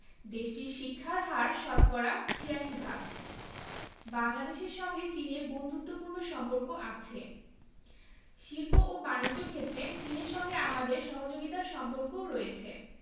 দেশটির শিক্ষার হার শতকরা ৮৬ ভাগ বাংলাদেশের সঙ্গে চীনের বন্ধুত্বপূর্ণ সম্পর্ক আছে শিল্প ও বানিজ্য ক্ষেত্রে চীনের সাথে আমাদের সহযোগিতার সম্পর্কও রয়েছে